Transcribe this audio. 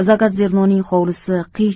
zagotzernoning hovlisi qiy